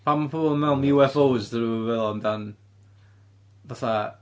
Pam mae pobl yn meddwl am UFO dyn nhw'm yn feddwl amdan fatha...